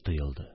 Тоелды